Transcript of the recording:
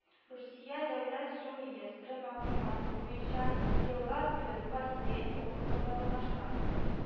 Русия дәүләт су реестры мәгълүматы буенча елга Тын бассейн округында урнашкан